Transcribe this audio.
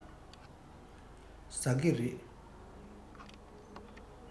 ཟ ཀི རེད